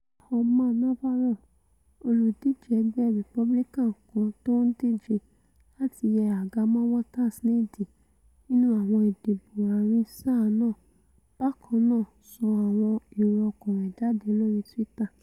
Omar Navarro, olùdíje ẹgbẹ́ Republican kan tó ńdíje láti yẹ àga mọ́ Waters ní ìdí nínú àwọn ìdìbò ààrin-sáà náà, bákannáà sọ àwọn èrò ọkàn rẹ̀ jáde lori Twitter.